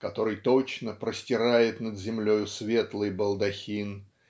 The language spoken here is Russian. который точно простирает над землею "светлый балдахин"